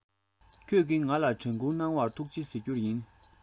ཁྱེད ཀྱིན ང ལ དྲན ཀུར གནང བར ཐུག ཆེ ཟེར རྒྱུ ཡིན